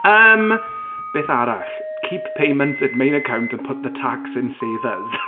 Yym beth arall? Keep payments at main account and put the tax in savers.